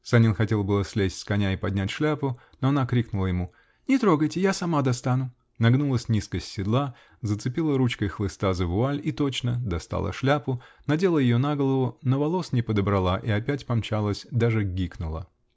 Санин хотел было слезть с коня и поднять шляпу, но она крикнула ему:"Не трогайте, я сама достану", нагнулась низко с седла, зацепила ручкой хлыста за вуаль и точно: достала шляпу, надела ее на голову, но волос не подобрала и опять помчалась, даже гикнула.